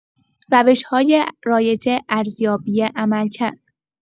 روش‌های رایج ارزیابی عملکرد